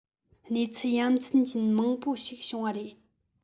གནས ཚུལ ཡ མཚན ཅན མང པོ ཞིག བྱུང བ རེད